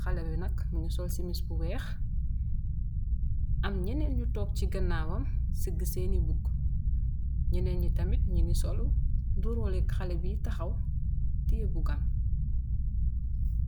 Xalèh bi nak mugii sol simis bu wèèx am ñenen ñu tóóg ci ganaw sagg sèèn ni buk, ñenen ñi tamit ñi ngi sol lu niro leh ak xalèh bi taxaw teyeh buk am.